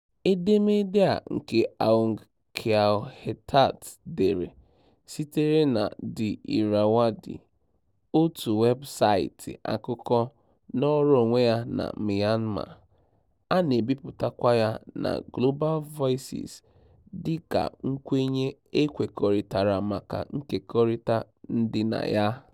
Edemede a nke Aung Kyaw Htet dere sitere na The Irrawaddy, òtù weebụsaịtị akụkọ nọọrọ onwe ya na Myanmar, a na-ebipụtakwa ya na Global Voices dịka nkwenye e kwekọrịtara maka nkekọrịta ndịnaya.